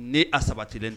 Ne a saba tɛɛnɛn